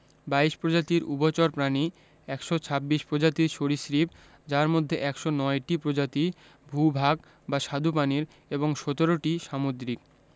২২ প্রজাতির উভচর প্রাণী ১২৬ প্রজাতির সরীসৃপ যার মধ্যে ১০৯টি প্রজাতি ভূ ভাগ বা স্বাদুপানির এবং ১৭টি সামুদ্রিক